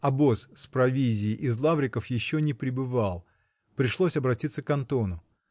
обоз с провизией из Лавриков еще не прибывал, -- пришлось обратиться к Антону.